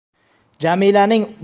jamilaning bu qiliqlarini